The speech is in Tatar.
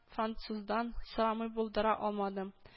Француздан сорамый булдыра алмадым